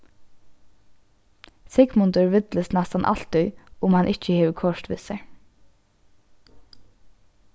sigmundur villist næstan altíð um hann ikki hevur kort við sær